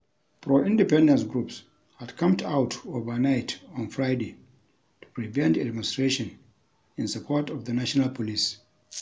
Pro-independence groups had camped out overnight on Friday to prevent a demonstration in support of the national police.